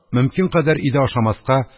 Мөмкин кадәр өйдә ашамаска,